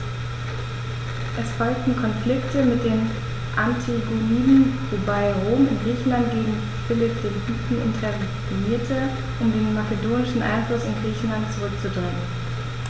Es folgten Konflikte mit den Antigoniden, wobei Rom in Griechenland gegen Philipp V. intervenierte, um den makedonischen Einfluss in Griechenland zurückzudrängen.